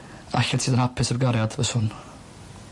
Allet ti fod yn hapus heb gariad? Fyswn.